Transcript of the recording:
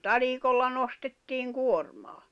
talikolla nostettiin kuormaa